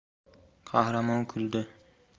qahramon kuldi